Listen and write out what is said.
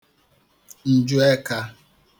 ǹjuẹkā